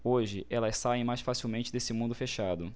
hoje elas saem mais facilmente desse mundo fechado